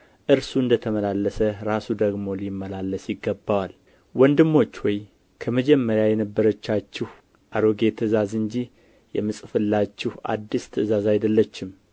እርሱ እንደ ተመላለሰ ራሱ ደግሞ ሊመላለስ ይገባዋል ወንድሞች ሆይ ከመጀመሪያ የነበረቻችሁ አሮጌ ትእዛዝ እንጂ የምጽፍላችሁ አዲስ ትእዛዝ አይደለችም